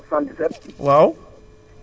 waaw 77